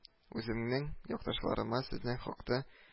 Үземнең якташларыма сезнең хакта